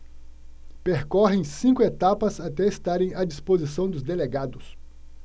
percorrem cinco etapas até estarem à disposição dos delegados